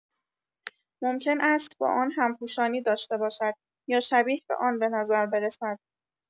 ممکن است با آن هم‌پوشانی داشته باشد یا شبیه به آن به نظر برسد.